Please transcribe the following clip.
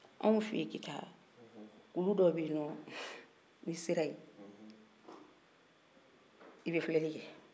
anw fɛ yen kita kulu dɔ bɛ yen nɔ n'i sera yen i bɛ filɛli kɛ